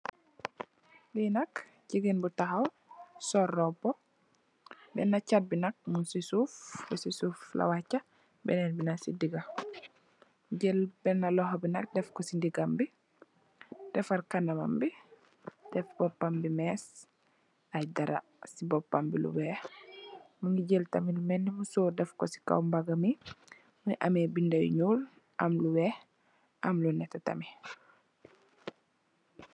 Lii nak jigéen bu taxaw sol robbu, bénen cat bi nak muñ si suuf, si suuf la wacce. Benen bi nak, muñ si digga, def bennë loxo bi nak, def ko si ndiggam, defar kanamam bi, def boopam bi mees, def dara boopam bi lu weex, jël tamit lu Melni musóor def si mbagam mi, mu ngi amee bindë bindë yu ñuul, am lu weex, am lu nétté tamit.